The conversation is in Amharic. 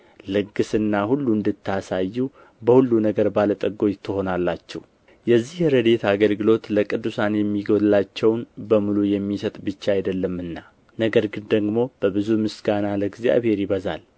ልግስና ሁሉ እንድታሳዩ በሁሉ ነገር ባለ ጠጎች ትሆናላችሁ የዚህ ረድኤት አገልግሎት ለቅዱሳን የሚጎድላቸውን በሙሉ የሚሰጥ ብቻ አይደለምና ነገር ግን ደግሞ በብዙ ምስጋና ለእግዚአብሔር ይበዛል